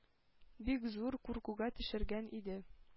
Бик зур куркуга төшергән иде.